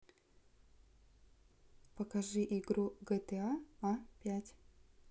покажи игру гта а пять